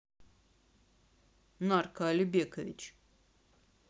нарко алибекович